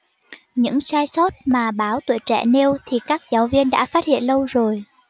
những sai sót mà báo tuổi trẻ nêu thì các giáo viên đã phát hiện lâu rồi